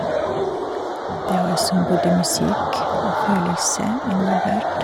Det har som både musikk og følelse involvert.